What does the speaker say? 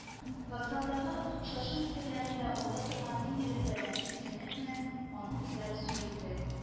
Вокзалдагы хушлашу мизгелләрендә алда торган ниндидер бәлане сизенепме, аның күзләре сүрелде